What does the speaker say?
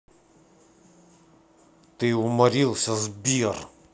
ты уморился сбер